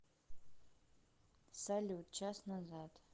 салют час назад